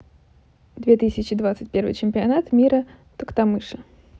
две тысячи двадцать первый чемпионат мира токтамыша